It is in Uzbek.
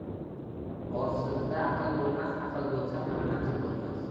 orsizda aql bo'lmas aql bo'lsa ham naql bo'lmas